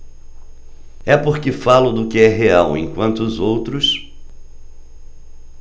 é porque falo do que é real enquanto os outros